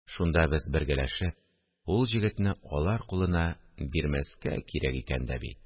Шунда без бергәләшеп ул җегетне алар кулына бирмәскә кирәк икән дә бит